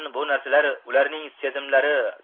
bu narsalar ularning sezimlari